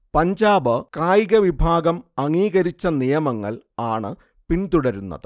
പഞ്ചാബ് കായികവിഭാഗം അംഗീകരിച്ച നിയമങ്ങൾ ആണ് പിന്തുടരുന്നത്